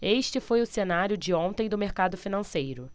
este foi o cenário de ontem do mercado financeiro